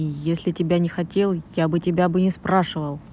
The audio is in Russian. а если тебя не хотел я бы тебя бы не спрашивал